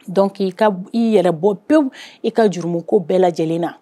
Dɔnki ka i yɛrɛ bɔ pewu i ka jurumu ko bɛɛ lajɛlen na